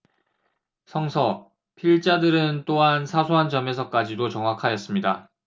성서 필자들은 또한 사소한 점에서까지도 정확하였습니다